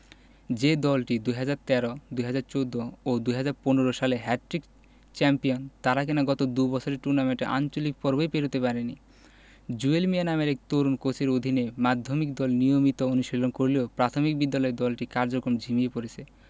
যে দলটি ২০১৩ ২০১৪ ও ২০১৫ সালে হ্যাটট্রিক চ্যাম্পিয়ন তারা কিনা গত দুই বছরে টুর্নামেন্টের আঞ্চলিক পর্বই পেরোতে পারেনি জুয়েল মিয়া নামের এক তরুণ কোচের অধীনে মাধ্যমিক দল নিয়মিত অনুশীলন করলেও প্রাথমিক বিদ্যালয়ের দলটির কার্যক্রম ঝিমিয়ে পড়েছে